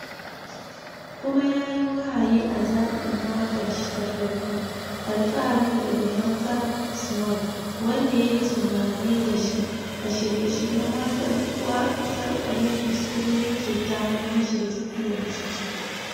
Kuma yayi wahayi a zabin wakar shi ta farko - Alfahari daga Heather Small - wanda yayi jimame da shi a shirye shiryen wasar Olympics kuma ya ke tayar mashi da sigar jiki.